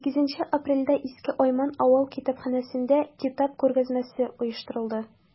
8 апрельдә иске айман авыл китапханәсендә китап күргәзмәсе оештырылды.